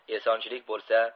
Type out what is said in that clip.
esonchilik bo'lsa